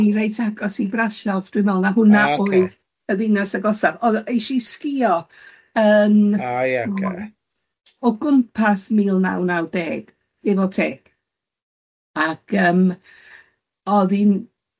ni reit agos i Brasov, dwi'n meddwl na hwnna... Ah ocê. ...oedd y ddinas agosaf. Oedd- es i sgïo yn... O ie ocê. ...o gwmpas mil naw naw deg, give or take, ac yym oedd un...